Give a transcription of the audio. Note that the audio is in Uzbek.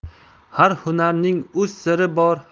har hunarning o'z siri bor